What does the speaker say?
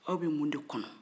aw bɛ mun de kɔnɔn